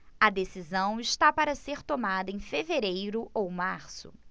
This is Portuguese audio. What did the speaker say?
a decisão está para ser tomada em fevereiro ou março